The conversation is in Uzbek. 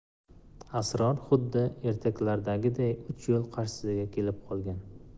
asror xuddi ertaklardagiday uch yo'l qarshisiga kelib qolgan